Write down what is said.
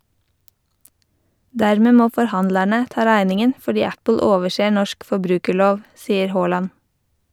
Dermed må forhandlerne ta regningen fordi Apple overser norsk forbrukerlov , sier Haaland.